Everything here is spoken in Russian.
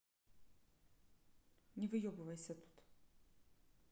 не выебывайся тут